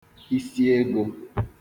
isiegō